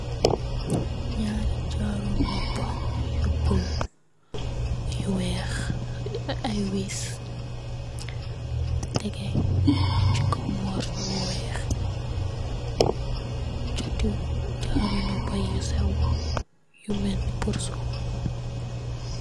Nyari jaaru nopa yu bull yu weex aye wess tegeh se kaw mursu bu weex chate jaaru nopa ye yu seew yu melne pursu.